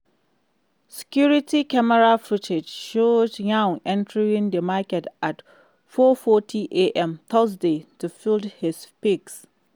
Security camera footage showed Yuan entering the market at 4.40 am Thursday to feed his pigs.